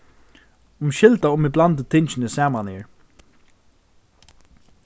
umskylda um eg blandi tingini saman her